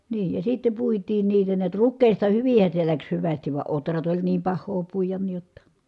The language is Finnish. niin ja sitten puitiin niitä näet rukiista hyvinhän se lähti hyvästi vaan ohrat oli niin pahaa puida niin jotta